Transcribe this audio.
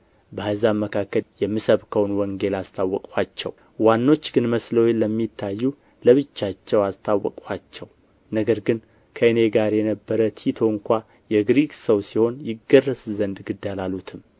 በአሕዛብ መካከል የምሰብከውን ወንጌል አስታወቅኋቸው ዋኖች ግን መስለው ለሚታዩ ለብቻቸው አስታወቅኋቸው ነገር ግን ከእኔ ጋር የነበረ ቲቶ እንኳ የግሪክ ሰው ሲሆን ይገረዝ ዘንድ ግድ አላሉትም